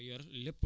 ok merci